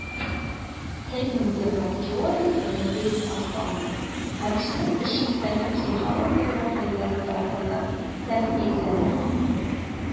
Хеллингерның теориясе эмпирик расланмый, һәм шуның өчен фәнни психология вәкилләре тарафыннан тәнкыйтьләнә.